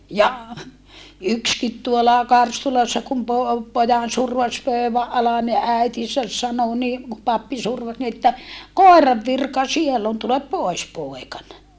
ja yksikin tuolla Karstulassa kun - pojan survaisi pöydän alle niin äitinsä sanoi niin kun pappi survaisi niin että koiran virka siellä on tule pois poikani